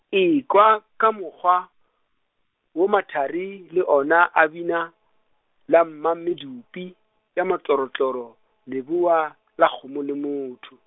ekwa ka mokgwa, wo mathari le ona a bina, la mmamedupi, ya matlorotloro, Lebowa, la kgomo le motho.